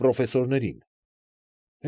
Պրոֆեսորներին։